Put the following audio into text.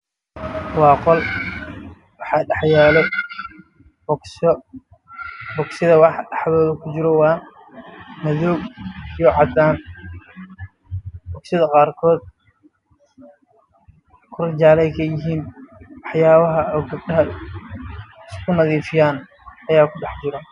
Waa qol waxaa dhex yaalo okso waxaa dhex deeda ku jiro wax madow ah